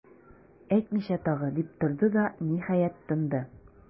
Әйтмичә тагы,- дип торды да, ниһаять, тынды.